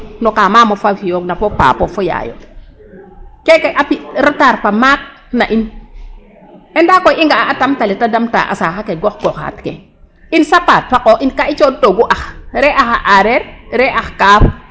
No ka maamof a fi'oogina fo Paapof fo Yayof keke a pi' retard fa maak na in i ndaa koy i nga'a tamt ale ta damta a saax ake gox goxaat ke in xa qoox in ga i cooxtoogu ax ree axa aareer ree ax kaaf .